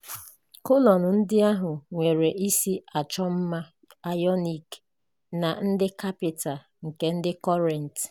Kolọm ndị ahụ nwere isi achọmma ayọniiki na ndị kapịta nke ndị Corinth.